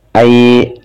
Ayi